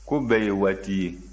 paul ko bɛɛ ye waati ye